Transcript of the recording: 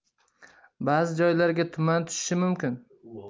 ba'zi joylarga tuman tushishi mumkin